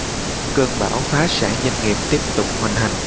cơn bão phá sản doanh nghiệp tiếp tục hoành hành